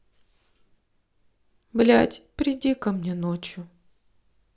блять приди ко мне ночью